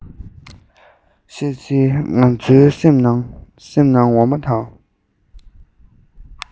བཤད ཚེ ང ཚོའི སེམས ནང འོ མ དང